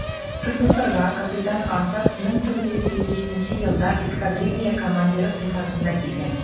СССРга капитан Асад 1957 елда эскадрилья командиры сыйфатында килгән.